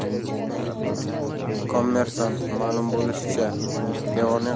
kommersant ma'lum bo'lishicha devorning